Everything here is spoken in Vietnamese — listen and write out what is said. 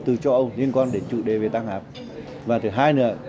từ châu âu liên quan đến chủ đề về tăng áp và thứ hai nữa